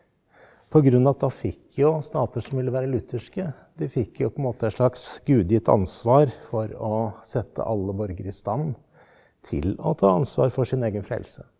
på grunn at da fikk jo stater som ville være lutherske de fikk jo på en måte et slags gudegitt ansvar for å sette alle borgere i stand til å ta ansvar for sin egen frelse.